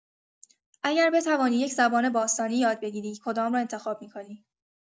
اگر بتوانی یک‌زبان باستانی یاد بگیری کدام را انتخاب می‌کنی؟